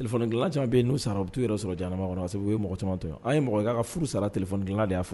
Caman yɛrɛ sɔrɔ ye mɔgɔ caman to a ye mɔgɔ ka furu sara dilan de